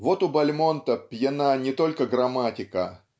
Вот у Бальмонта пьяна не только грамматика